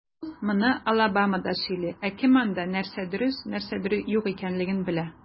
Ул моны Алабамада сөйли, ә кем анда, нәрсә дөрес, ә нәрсә юк икәнлеген белә?